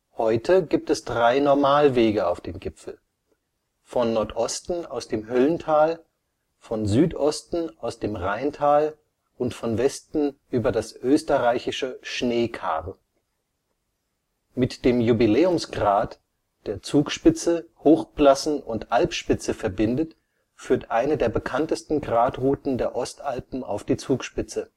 Heute gibt es drei Normalwege auf den Gipfel: Von Nordosten aus dem Höllental, von Südosten aus dem Reintal und von Westen über das Österreichische Schneekar. Mit dem Jubiläumsgrat, der Zugspitze, Hochblassen und Alpspitze verbindet, führt eine der bekanntesten Gratrouten der Ostalpen auf die Zugspitze